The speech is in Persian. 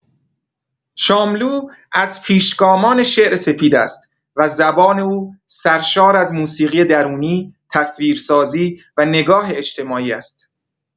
شاملو از پیشگامان شعر سپید است و زبان او سرشار از موسیقی درونی، تصویرسازی و نگاه اجتماعی است.